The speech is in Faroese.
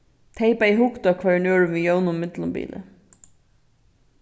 tey bæði hugdu at hvørjum øðrum við jøvnum millumbili